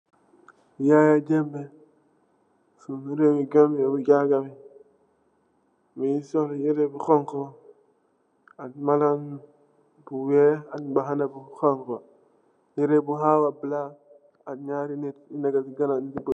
Yaya jammeh cii rewi Gambia dii jahgarr, mungy sol yehreh bu honhu ak malan bu wekh, ak mbahanah bu honhu, yehreh bu hawah black ak njaari nitt nju neka cii ganaw...